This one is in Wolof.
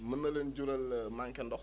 mun na leen jural manqué ndox